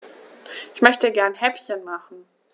Ich möchte gerne Häppchen machen.